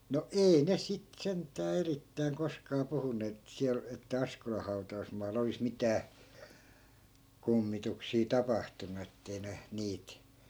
no ei ne sitten sentään erittäin koskaan puhuneet että siellä että Askolan hautausmaalla olisi mitään kummituksia tapahtunut että ei ne niitä